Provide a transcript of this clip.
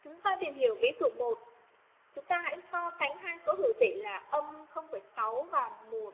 chúng ta tìm hiểu ví dụ chúng ta hãy so sánh hai số hữu tỉ là và